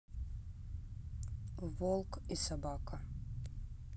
волк и собака